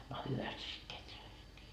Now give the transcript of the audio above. no hyvästi se sitten kehräsikin